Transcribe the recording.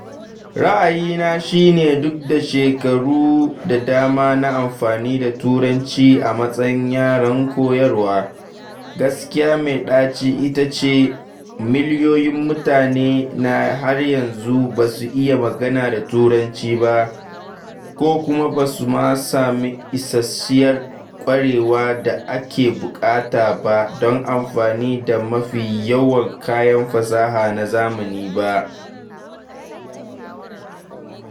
Ra’ayina shi ne duk da shekaru da dama na amfani da Turanci a matsayin yaran koyarwa, gaskiya mai ɗaci ita ce, miliyoyin mutane har yanzu ba su iya magana da Turancin ba, ko kuma ba su samu isasshiyar ƙwarewar da ake buƙata ba don amfani da mafi yawan kayan fasaha na zamani ba.